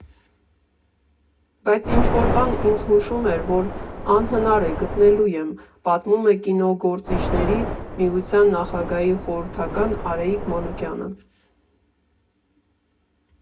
Բայց ինչ֊որ բան ինձ հուշում էր, որ անհնար է՝ գտնելու եմ», ֊ պատմում է կինոգործիչների միության նախագահի խորհրդական Արայիկ Մանուկյանը։